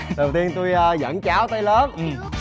đầu tiên tôi dẫn cháu tới lớp